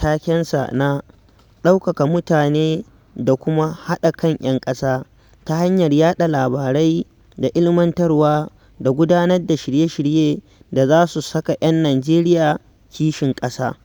takensa na ''ɗaukaka mutane da kuma haɗa kan 'yan ƙasa'' ta hanyar yaɗa labarai da ilmantarwa da gudanar da shirye-shirye da za su saka 'yan Nijeriya kishin ƙasa.